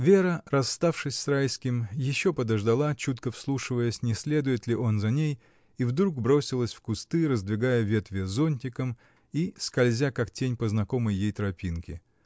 Вера, расставшись с Райским, еще подождала, чутко вслушиваясь, не следует ли он за ней, и вдруг бросилась в кусты, раздвигая ветви зонтиком и скользя как тень по знакомой ей тропинке.